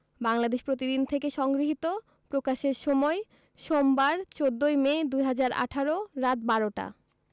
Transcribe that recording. বাংলাদেশ প্রতিদিন থেকে সংগৃহীত প্রকাশের সময় সোমবার ১৪ মে ২০১৮ রাত ১২টা